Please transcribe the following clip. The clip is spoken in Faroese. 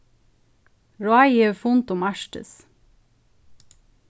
ráðið hevur fund um arktis